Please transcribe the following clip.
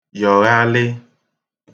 yòghalị